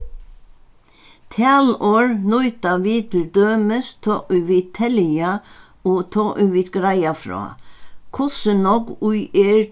talorð nýta vit til dømis tá ið vit telja og tá ið vit greiða frá hvussu nógv ið er